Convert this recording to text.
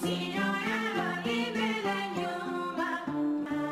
Miniyanba wa bɛ j ba